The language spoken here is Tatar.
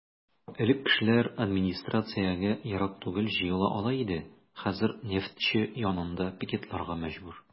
Элек кешеләр администрациягә ерак түгел җыела ала иде, хәзер "Нефтьче" янында пикетларга мәҗбүр.